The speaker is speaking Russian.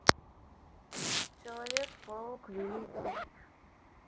человек паук великий